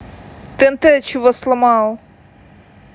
тнт чего сломал